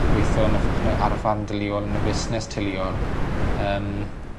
i gweitho yn y ff- yn y ar y ffarm deuluol yn y fusnes teuluol. Yym.